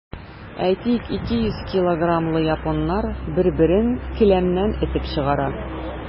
Әйтик, 200 килограммлы японнар бер-берен келәмнән этеп чыгара.